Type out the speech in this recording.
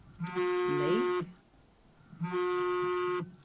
leyk